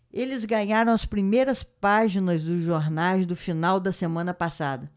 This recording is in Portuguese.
eles ganharam as primeiras páginas dos jornais do final da semana passada